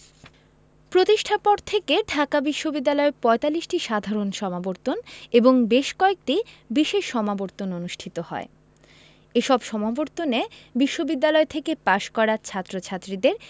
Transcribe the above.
প্রতিষ্ঠার পর থেকে ঢাকা বিশ্ববিদ্যালয়ে ৪৫টি সাধারণ সমাবর্তন এবং বেশ কয়েকটি বিশেষ সমাবর্তন অনুষ্ঠিত হয় এসব সমাবর্তনে বিশ্ববিদ্যালয় থেকে পাশ করা ছাত্রছাত্রীদের